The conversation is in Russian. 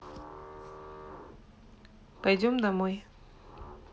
пойдем домой